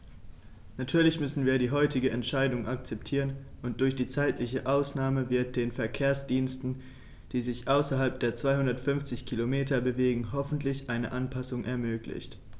Natürlich müssen wir die heutige Entscheidung akzeptieren, und durch die zeitliche Ausnahme wird den Verkehrsdiensten, die sich außerhalb der 250 Kilometer bewegen, hoffentlich eine Anpassung ermöglicht.